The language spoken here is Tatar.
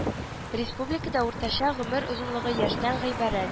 Республикада уртача гомер озынлыгы яшьтән гыйбарәт